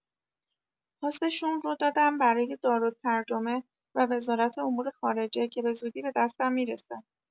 پاس‌شون رو دادم برای دارالترجمه و وزارت امور خارجه که بزودی بدستم می‌رسه.